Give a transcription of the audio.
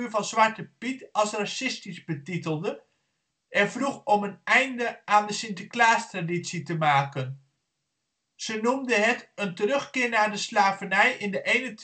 van Zwarte Piet als racistisch betitelde en vroeg om een einde aan de Sinterklaas-traditie te maken. Ze noemde het " een terugkeer naar de slavernij in de 21e